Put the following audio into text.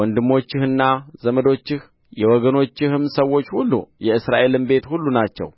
ወንድሞችህና ዘመዶችህ የወገኖችህም ሰዎች ሁሉ የእስራኤልም ቤት ሁሉ ናቸው